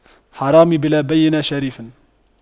حرامي بلا بَيِّنةٍ شريف